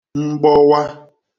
mgbọwa